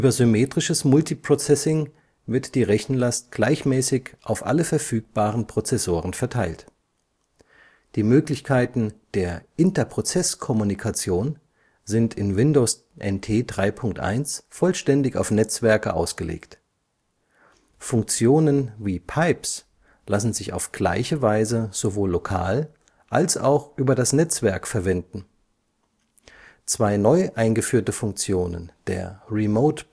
symmetrisches Multiprozessing wird die Rechenlast gleichmäßig auf alle verfügbaren Prozessoren verteilt. Die Möglichkeiten der Interprozesskommunikation sind in Windows NT 3.1 vollständig auf Netzwerke ausgelegt. Funktionen wie Pipes lassen sich auf gleiche Weise sowohl lokal als auch über das Netzwerk verwenden. Zwei neu eingeführte Funktionen, der Remote